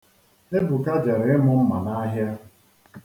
Ebuka jere ịmụ mma n'ahịa.